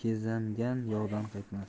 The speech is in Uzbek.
kezangan yovdan qaytmas